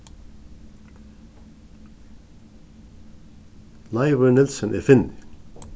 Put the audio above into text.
leivur nielsen er finni